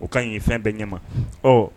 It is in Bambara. O ka ɲii fɛn bɛɛ ɲɛ ma, ɔɔ